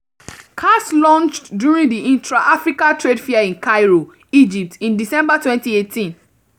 CAX launched during the Intra Africa Trade Fair in Cairo, Egypt, in December 2018.